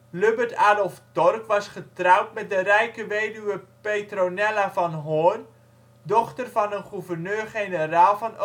Lubbert Adolph Torck was getrouwd met de rijke weduwe Petronella van Hoorn, dochter van een gouverneur-generaal van